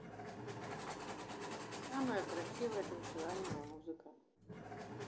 самая красивая танцевальная музыка